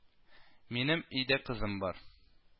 Минем өйдә кызым бар